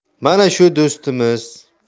mana shu do'stimiz